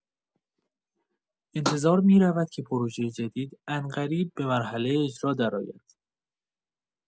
انتظار می‌رود که پروژۀ جدید عنقریب به مرحله اجرا درآید.